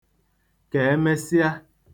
Ka emesịa.